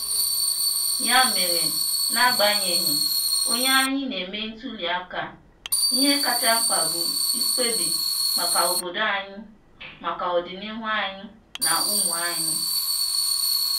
Ya mere, n'agbanyeghị onye anyị na-eme ntuli aka, ihe kacha mkpa bụ ikpebi maka obodo anyị, maka ọdịnihu anyị na ụmụ anyị.